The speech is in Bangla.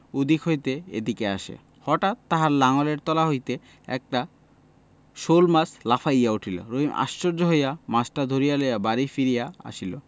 ওদিক হইতে এদিকে আসে হঠাৎ তাহার লাঙলের তলা হইতে একটি শোলমাছ লাফাইয়া উঠিল রহিম আশ্চর্য হইয়া মাছটি ধরিয়া লইয়া বাড়ি ফিরিয়া আসিল